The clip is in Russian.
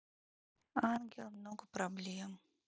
ангел много проблем